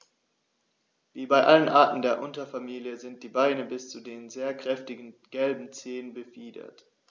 Wie bei allen Arten der Unterfamilie sind die Beine bis zu den sehr kräftigen gelben Zehen befiedert.